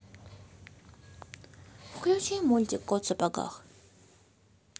включи мультик кот в сапогах